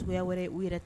U yɛrɛ